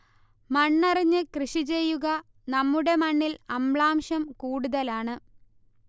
മണ്ണ് അറിഞ്ഞു കൃഷി ചെയ്യുക 'നമ്മുടെ മണ്ണിൽ അമ്ലാംശം കൂടുതലാണ്'